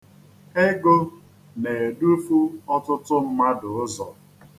Ego na-edufu ọtụtụ mmadụ ụzọ.